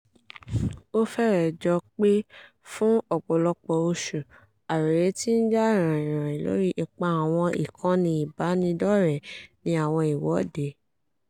Ó fẹ́rẹ̀ jọ pé fún ọ̀pọ̀lọpọ̀ oṣù, àròyé ti ń jà ròhìnròhìn lórí ipa àwọn ìkànnì ìbánidọ́rẹ̀ẹ́ ní àwọn ìwọ́de.